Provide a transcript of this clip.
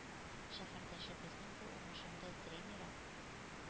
Шәһәрдәшебезнең бу уңышында тренеры